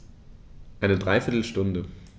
Eine dreiviertel Stunde